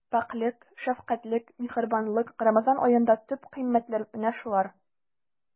Пакьлек, шәфкатьлелек, миһербанлык— Рамазан аенда төп кыйммәтләр менә шулар.